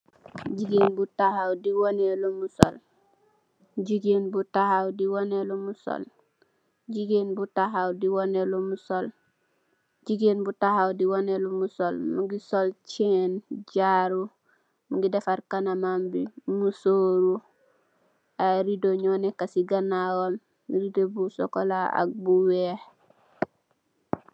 Gigeen bu taxaw di waneh lum sol ,mugeh sol cèèn, jaru, mugeh defarr kanamambi , musóru ay redo ñó nekka ci ganaw , redo bu sokola ak bu wèèx.